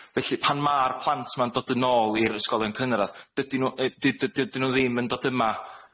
Felly pan ma'r plant 'ma'n dod yn ôl i'r ysgolion cynradd, dydyn nw yy dyd- dydyn nw ddim yn dod yma-